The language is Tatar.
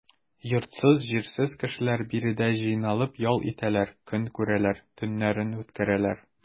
Йортсыз-җирсез кешеләр биредә җыйналып ял итәләр, көн күрәләр, төннәрен үткәрәләр.